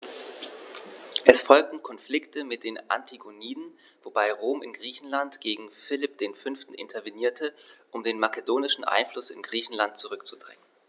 Es folgten Konflikte mit den Antigoniden, wobei Rom in Griechenland gegen Philipp V. intervenierte, um den makedonischen Einfluss in Griechenland zurückzudrängen.